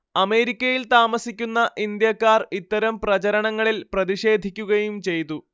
അമേരിക്കയിൽ താമസിക്കുന്ന ഇന്ത്യക്കാർ ഇത്തരം പ്രചരണങ്ങളിൽ പ്രതിഷേധിക്കുകയും ചെയ്തു